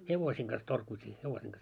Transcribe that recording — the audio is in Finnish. hevosien kanssa torkuttiin hevosien kanssa